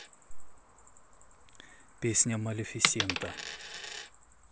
песня малефисента